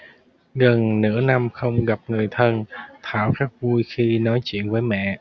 gần nửa năm không gặp người thân thảo rất vui khi nói chuyện với mẹ